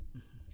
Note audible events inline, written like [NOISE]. [HESITATION] [HESITATION]